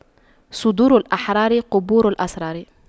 صدور الأحرار قبور الأسرار